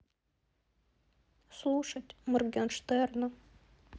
слушать моргенштерна